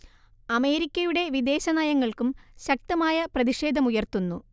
അമേരിക്കയുടെ വിദേശനയങ്ങൾക്കും ശക്തമായ പ്രതിഷേധമുയർത്തുന്നു